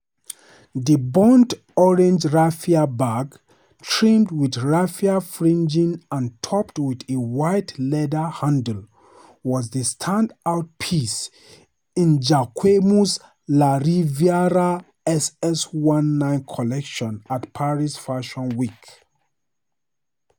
The burnt orange raffia bag, trimmed with raffia fringing and topped with a white leather handle, was the stand out piece in Jacquemus' La Riviera SS19 collection at Paris Fashion Week.